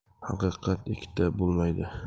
haqiqat ikkita bo'lmaydi